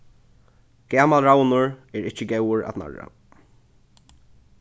gamal ravnur er ikki góður at narra